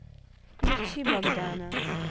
включи богдана